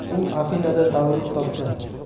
u afinada tavallud topgan